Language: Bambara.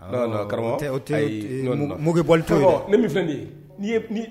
Karamɔgɔ mugubli ne min fɛn de ye ye